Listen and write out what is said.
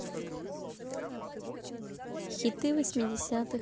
хиты восьмидесятых